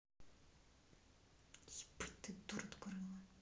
ебать ты дура тупорылая